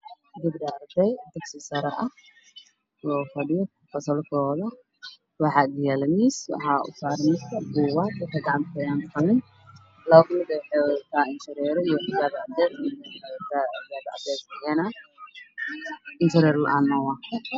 Gabdho arday dugsi sare ah oo fadhiyo fasalkooda waxaa agyaalo miis waxaa usaaran buug iyo qalin. Labo buug indho shareero iyo xijaab cadeys ah.